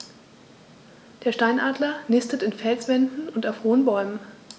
Der Steinadler nistet in Felswänden und auf hohen Bäumen.